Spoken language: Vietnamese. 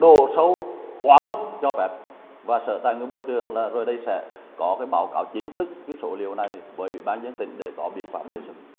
độ sâu quá mức cho phép và sở tài nguyên môi trường là rồi đây sẽ có báo cáo chính thức ghi số liệu này với ủy ban dân tỉnh để có biện pháp đề xuất